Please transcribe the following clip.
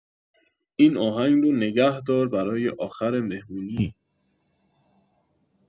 این آهنگ رو نگه دار برای آخر مهمونی